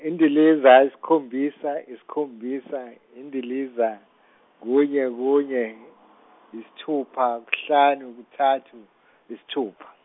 indilinga isikhombisa isikhombisa indilinga, kunye kunye isithupha kuhlanu kuthathu isithupha.